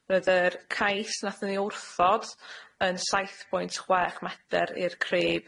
Roedd yr cais nathon ni wrthod yn saith pwynt chwech medr i'r crib,